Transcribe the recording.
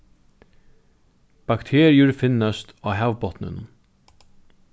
bakteriur finnast á havbotninum